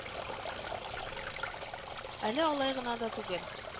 Әле алай гына да түгел